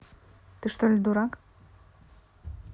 ты что ли дурак